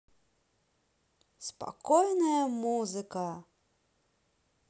спокойная музыка